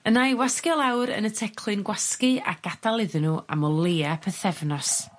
Yna 'i wasgu o lawr yn y teclyn gwasgu a gadal iddyn n'w am o leia pythefnos.